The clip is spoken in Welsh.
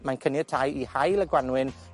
mae'n caniatáu i haul y Gwanwyn